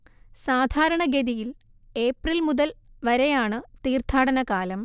സാധാരണ ഗതിയിൽ ഏപ്രിൽ മുതൽ വരെയാണ് തീർത്ഥാടന കാലം